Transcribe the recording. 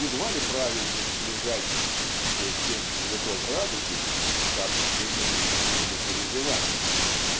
едва ли правильно сближать "все семь цветов радуги" со "всеми земными переживаниями"